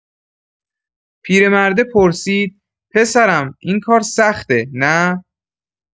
پیرمرده پرسید: «پسرم، این کار سخته، نه؟»